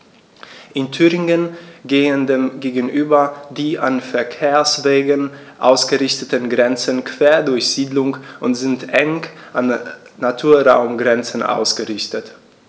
In Thüringen gehen dem gegenüber die an Verkehrswegen ausgerichteten Grenzen quer durch Siedlungen und sind eng an Naturraumgrenzen ausgerichtet.